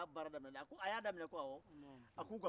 a bɛ kɛ a la fiɲɛ ye cogodi